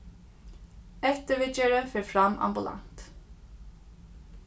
eftirviðgerðin fer fram ambulant